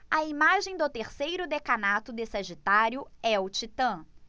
a imagem do terceiro decanato de sagitário é o titã